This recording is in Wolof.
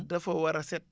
dafa war a set